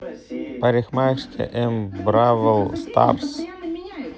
парикмахерская эм бравл старс